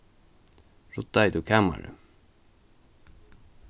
ruddaði tú kamarið